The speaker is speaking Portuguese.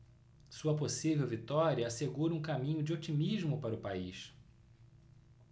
sua possível vitória assegura um caminho de otimismo para o país